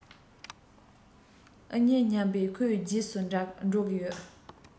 ཨེ རྙེད སྙམ གྱིན ཁོའི རྗེས སུ འགྲོ གི ཡོད